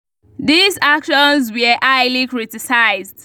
These actions were highly criticized.